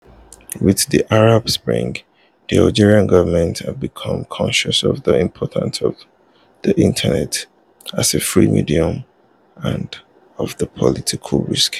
With the Arab Spring, the Algerian government has become conscious of the importance of the Internet as a free medium and of the potential risks.